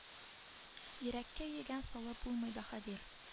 Йөрәккә йөгән салып булмый баһадир